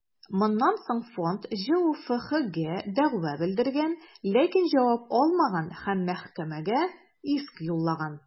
Моннан соң фонд ҖҮФХгә дәгъва белдергән, ләкин җавап алмаган һәм мәхкәмәгә иск юллаган.